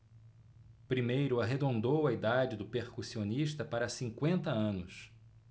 primeiro arredondou a idade do percussionista para cinquenta anos